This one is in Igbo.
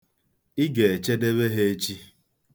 Ị ga-echedebe ha echi.